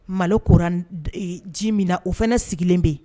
Mali ko ji min na o fana sigilen bɛ yen